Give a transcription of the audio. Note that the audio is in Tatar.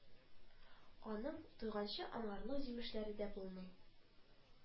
А н ы ң туйганчы ангарлык җимешләре дә булмый